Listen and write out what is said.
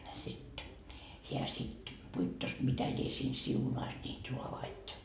sitten hän sitten puittos mitä lie siinä siunasi niitä raavaita